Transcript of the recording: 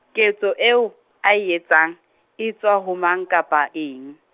ketso eo, a e etsang, e etswa ho mang kapa eng?